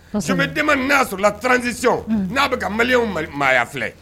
Somɛden na sɔrɔla trantiso n'a bɛ ka mali maaya filɛ